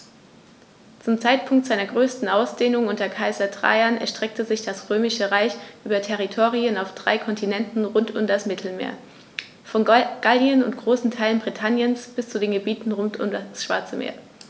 Zum Zeitpunkt seiner größten Ausdehnung unter Kaiser Trajan erstreckte sich das Römische Reich über Territorien auf drei Kontinenten rund um das Mittelmeer: Von Gallien und großen Teilen Britanniens bis zu den Gebieten rund um das Schwarze Meer.